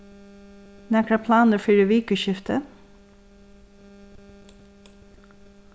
nakrar planir fyri vikuskiftið